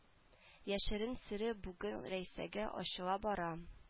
Яшерен сере бүген рәйсәгә ачыла бара